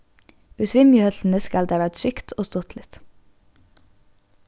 í svimjihøllini skal tað vera trygt og stuttligt